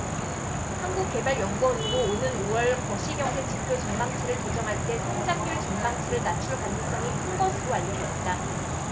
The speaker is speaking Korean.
한국개발연구원도 오는 오 월 거시경제지표 전망치를 조정할 때 성장률 전망치를 낮출 가능성이 큰 것으로 알려졌다